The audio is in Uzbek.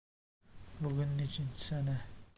bugun nechanchi sana